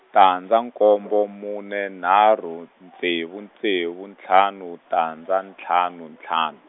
tandza nkombo mune nharhu ntsevu ntsevu ntlhanu tandza ntlhanu ntlhanu.